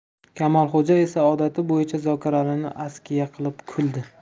kamolxo'ja esa odati bo'yicha zokiralini askiya qilib kuldi